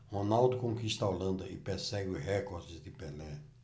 ronaldo conquista a holanda e persegue os recordes de pelé